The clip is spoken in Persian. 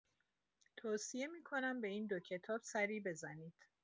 توصیه می‌کنم به این دو کتاب سری بزنید